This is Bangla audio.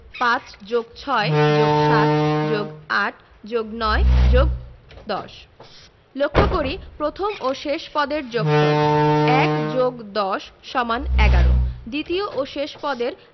৫+৬+৭+৮+৯+১০ লক্ষ করি প্রথম ও শেষ পদের যোগফল ১+১০=১১ দ্বিতীয় ও শেষ পদের